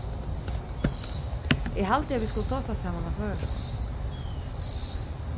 eg haldi at vit skulu tosa saman á føroyskum